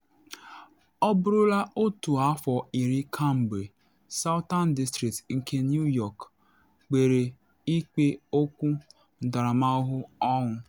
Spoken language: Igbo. Ọ bụrụla otu afọ iri kemgbe Southern District nke New York kpere ikpe okwu ntaramahụhụ ọnwụ.